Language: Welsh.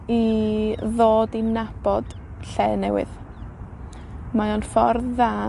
i ddod i nabod lle newydd. Mae o'n ffordd dda